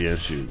bien sur